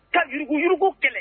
Ka duguugu kɛlɛ